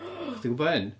O' chdi'n gwybod hyn?